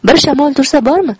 bir shamol tursa bormi